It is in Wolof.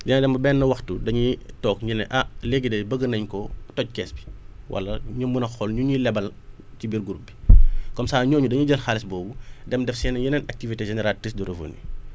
dina dem ba benn waxtu dañuy toog ñu ne ah léegi de bëgg nañ ko toj kees bi wala ñu mun a xool ñu ñuy lebal ci biir groupe bi comme ça ñooñu dañuy jël xaalis boobu dem def seen i yeneen activités génératrices de revenu